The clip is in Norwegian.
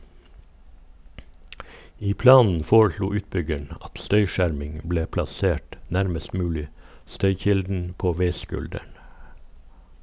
I planen foreslo utbyggeren at støyskjerming ble plassert nærmest mulig støykilden, på veiskulderen.